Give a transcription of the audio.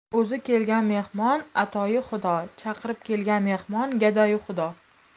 o'zi kelgan mehmon atoyi xudo chaqirib kelgan mehmon gadoyi xudo